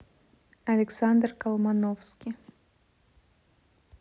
александр колмановский